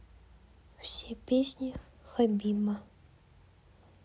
все песни хабиба